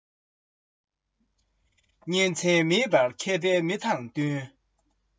ཉིན མཚན མེད པར མཁས པའི མི དང བསྟུན